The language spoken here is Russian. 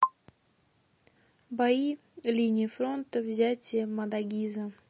бои линии фронта взятие мадагиза